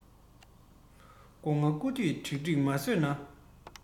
སྒོ ང རྐུ དུས ཁྲིག ཁྲིག མ ཟོས ན